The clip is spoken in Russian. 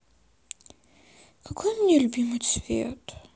какой у меня любимый цвет